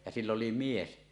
ja sillä oli mies